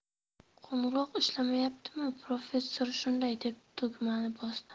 qo'ng'iroq ishlamayaptimi professor shunday deb tugmani bosdi